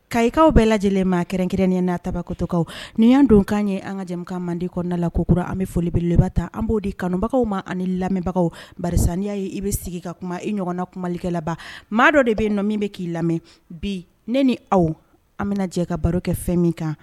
Ka ikaw bɛɛ lajɛ lajɛlen maa kɛrɛnkɛrɛnnen n'a tabatɔ nin y'an don kkan ye an kajakan mande kɔnɔnada la kokura an bɛ folibeleba ta an b'o di kanubagaw ma ani lamɛnbagaw ba n'i'a ye i bɛ sigi ka kuma i ɲɔgɔn na kumalikɛla la maa dɔ de bɛ yen nɔ min bɛ k'i lamɛn bi ne ni aw an bɛna jɛ ka baro kɛ fɛn min kan